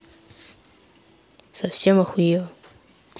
совсем охуела